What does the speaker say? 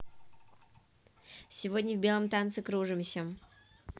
сегодня в белом танце кружимся